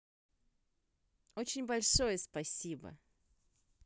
очень большое спасибо